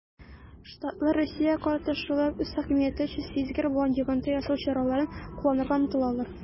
Штатлар Россиягә карата шулай ук үз хакимияте өчен сизгер булган йогынты ясау чараларын кулланырга омтылалар.